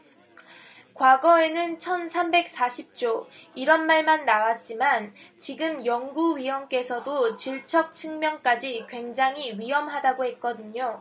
과거에는 천 삼백 사십 조 이런 말만 나왔지만 지금 연구위원께서도 질적 측면까지 굉장히 위험하다고 했거든요